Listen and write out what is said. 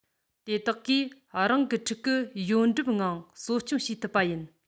དེ དག གིས རང གི ཕྲུ གུ ཡོངས འགྲུབ ངང གསོ སྐྱོང བྱེད ཐུབ པ ཡིན